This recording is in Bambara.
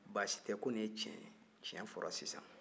basi tɛ ko nin ye tiɲɛ ye tiɲɛ fɔra sisan